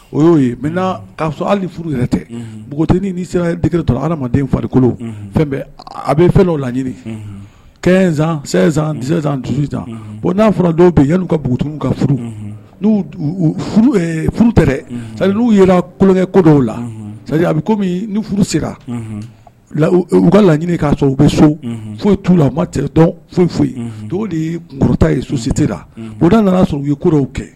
O y'o ye mɛ'a sɔrɔ ali furu yɛrɛ tɛ npogot ni ni sera tora adamaden farikolokolo fɛn a bɛ fɛn laɲini kɛsansansi n'a fɔra dɔw bɛ yen yan npogotu ka furu furu n'u yɛrɛ kolokɛ ko dɔw la a bɛ kɔmi ni furu se u ka laɲini k'a sɔrɔ u bɛ so foyi tu la u foyi foyi to deta ye susite la oda nana sɔrɔ u'ikorow kɛ